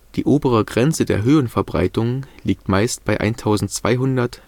Die obere Grenze der Höhenverbreitung liegt meist bei 1200